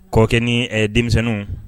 Kɔ ni denmisɛnww